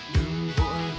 đừng vội